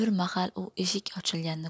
bir mahal u eshik ochilganini ko'rib